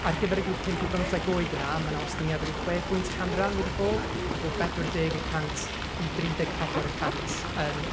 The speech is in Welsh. Ar gyfer y grŵp pump i bymtheg oed yna, ma' 'na ostyngiad o ryw chwe phwynt canran wedi bod, o bedwar deg y cant i dri deg pedwar y cant yn nwy fil ac dau ddeg un.